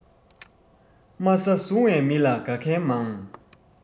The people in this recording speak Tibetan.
དམའ ས བཟུང བའི མི ལ དགའ མཁན མང